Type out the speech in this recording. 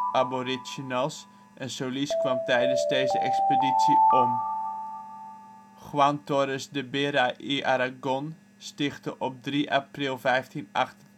aboriginals en Solis kwam tijdens deze expeditie om. Juan Torres de Vera y Aragón stichtte op 3 april 1588 San